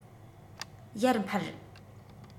ཡར འཕར